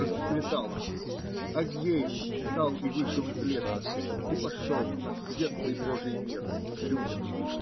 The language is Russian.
Рассвело; Аггей встал, и вышел из леса, и пошел на светлый божий мир, к людям.